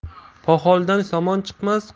poxoldan somon chiqmas